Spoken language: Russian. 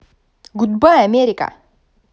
гудбай америка